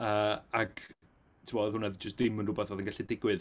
Yy ac timod oedd hwnna jyst ddim yn rywbeth oedd yn gallu digwydd.